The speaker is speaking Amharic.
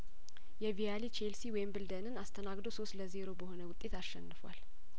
የቪያሊ ቼልሲ ዌምብል ደንን አስተናግዶ ሶስት ለዜሮ በሆነ ውጤት አሸንፏል